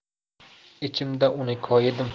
ichimda uni koyidim